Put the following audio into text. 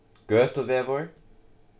gøtuvegur